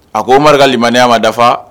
A ko malimani a ma dafa